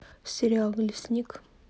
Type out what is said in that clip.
сериал лесник